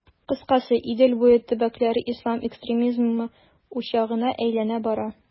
Кыскасы, Идел буе төбәкләре ислам экстремизмы учагына әйләнә бара.